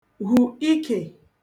hù ikè